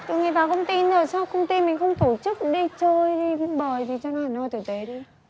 từ ngày vào công ti nhưng mà sao công ti mình không tổ chức đi chơi đi bời gì cho nó hẳn hoi tử tế đi